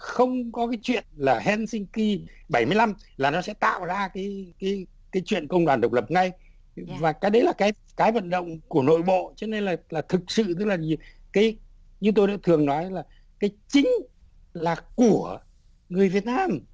không có cái chuyện là hen xinh ki bảy mươi lăm là nó sẽ tạo ra cái cái cái chuyện công đoàn độc lập ngay và cái đấy là cái cái vận động của nội bộ cho nên là là thực sự tức là gì cái như tôi đã thường nói là cái chính là của người việt nam